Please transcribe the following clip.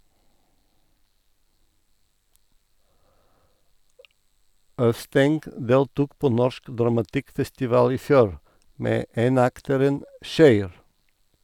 Øvsteng deltok på Norsk Dramatikkfestival i fjor, med enakteren "Køyr!".